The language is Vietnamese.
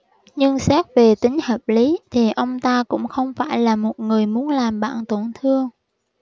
nhưng xét về tính hợp lý thì ông ta cũng không phải là một người muốn làm bạn tổn thương